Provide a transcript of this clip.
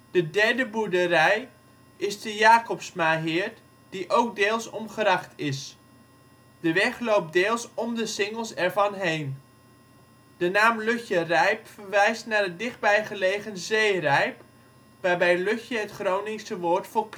De derde boerderij is de Jacobsmaheerd, die ook deels omgracht is. De weg loopt deels om de singels ervan heen. De naam Lutjerijp verwijst naar het dichtbij gelegen Zeerijp, waarbij Lutje het Groningse woord voor